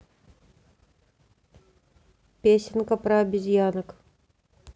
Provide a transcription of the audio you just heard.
песенка про обезьянок